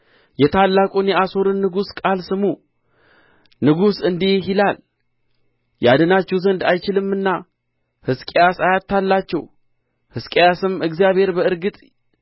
የታላቁን የአሦርን ንጉሥ ቃል ስሙ ንጉሡ እንዲህ ይላል ያድናችሁ ዘንድ አይችልምና ሕዝቅያስ አያታልላችሁ ሕዝቅያስም እግዚአብሔር በእርግጥ